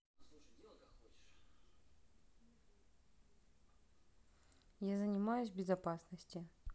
я занимаюсь в безопасности